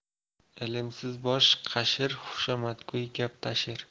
ilmsiz bosh qashir xushomadgo'y gap tashir